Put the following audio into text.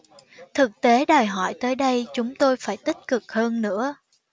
thực tế đòi hỏi tới đây chúng tôi phải tích cực hơn nữa